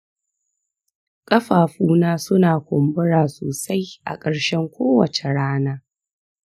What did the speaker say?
ƙafafuna suna kumbura sosai a ƙarshen kowacce rana.